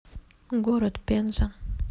город пенза